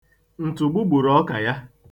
Ntụgbu gburu ọka ya.